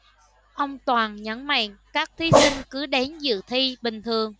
ông toàn nhấn mạnh các thí sinh cứ đến dự thi bình thường